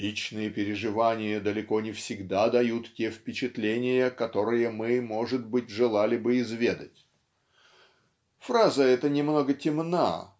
"личные переживания далеко не всегда дают те впечатления которые мы может быть желали бы изведать" фраза эта немного темна